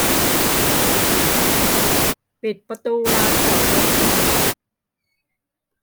ปิดประตูลานจอดรถ